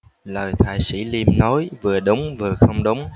lời thầy sĩ liêm nói vừa đúng vừa không đúng